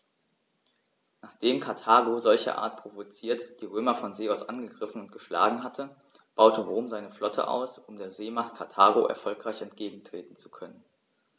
Nachdem Karthago, solcherart provoziert, die Römer von See aus angegriffen und geschlagen hatte, baute Rom seine Flotte aus, um der Seemacht Karthago erfolgreich entgegentreten zu können.